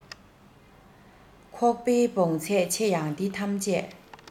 ཁོག པའི བོངས ཚད ཆེ ཡང དེ ཐམས ཅད